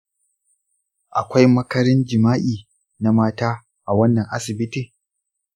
akwai makarin jima’i na mata a wannan asibiti.